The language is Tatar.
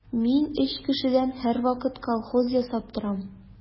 Мин өч кешедән һәрвакыт колхоз ясап торам.